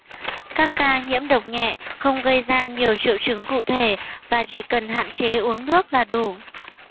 các ca nhiễm độc nhẹ không gây ra nhiều triệu chứng cụ thể và chỉ cần hạn chế uống nước là đủ